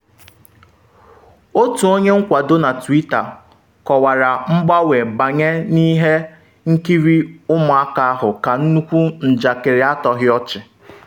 Otu onye nkwado na Twitter kọwara mgbanwe banye n’ihe nkiri ụmụaka ahụ ka “nnukwu njakịrị atọghị ọchị.”